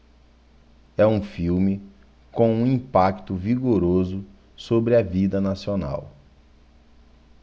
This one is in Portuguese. é um filme com um impacto vigoroso sobre a vida nacional